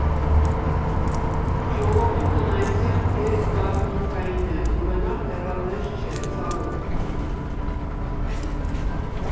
Ժողովուրդն այստեղ գերզգացմունքային է, ու բնավ հեռատես չէ, ցավոք։